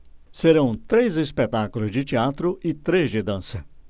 serão três espetáculos de teatro e três de dança